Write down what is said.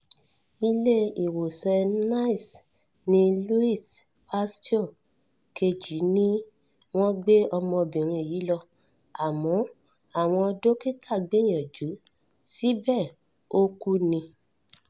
Ilé-ìwòsàn Nice ní Louis Pasteur 2 ni wọ́n gbé ọmọbìnrin yìí lọ àmọ́ àwọn dókítà gbìyànjú, síbẹ̀, ó kú ni.